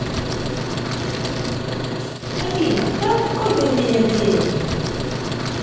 афина какой ты у меня день